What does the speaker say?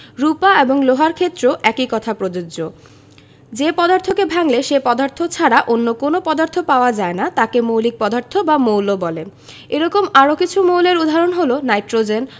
রুপা এবং লোহার ক্ষেত্রেও একই কথা প্রযোজ্য যে পদার্থকে ভাঙলে সেই পদার্থ ছাড়া অন্য কোনো পদার্থ পাওয়া যায় না তাকে মৌলিক পদার্থ বা মৌল বলে এরকম আরও কিছু মৌলের উদাহরণ হলো নাইট্রোজেন